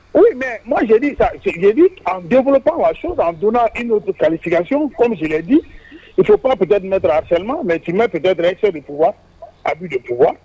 Oui, mais moi je dis ça ce, je dis en développant la chose, en donnant une autre qualification comme je l'ai dit, il ne faut pas peut être mettre harcèlement, mais tu mets peut être excès de pouvoir. Abus de pouvoir.